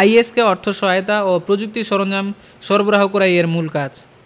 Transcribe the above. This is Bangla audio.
আইএস কে অর্থ সহায়তা ও প্রযুক্তি সরঞ্জাম সরবরাহ করাই এর মূল কাজ